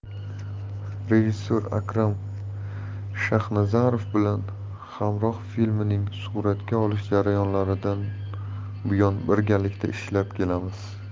rejissor akrom shaxnazarov bilan hamroh filmining suratga olish jarayonlaridan buyon birgalikda ishlab kelamiz